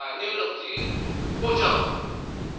như đồng chí bộ trưởng